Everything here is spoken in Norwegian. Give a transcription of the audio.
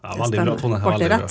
ja veldig bra Tone veldig bra.